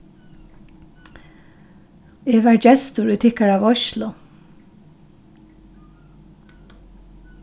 eg var gestur í tykkara veitslu